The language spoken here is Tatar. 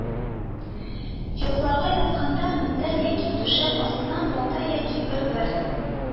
Йокларга ятканда мендәр яки түшәк астына балта яки бер-бер